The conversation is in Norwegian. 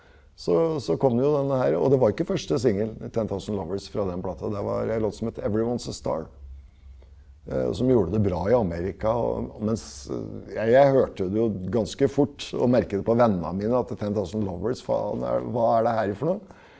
så så kom jo den her og det var ikke første singel Ten Thousand Lovers fra den plata, det var ei låt som het Everyone's a Star som gjorde det bra i Amerika og mens jeg jeg hørte det jo ganske fort og merket det på vennene mine at Ten Thousand Lovers, faen er hva er det her for noe?